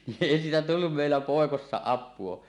niin ei siitä tullut meillä poikasena apua